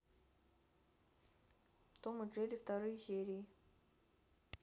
том и джерри вторые серии